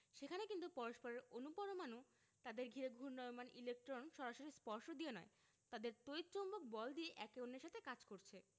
সেখানে কিন্তু পরস্পরের অণু পরমাণু তাদের ঘিরে ঘূর্ণায়মান ইলেকট্রন সরাসরি স্পর্শ দিয়ে নয় তাদের তড়িৎ চৌম্বক বল দিয়ে একে অন্যের সাথে কাজ করছে